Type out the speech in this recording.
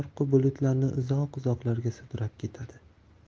uzoq uzoqlarga sudrab ketadi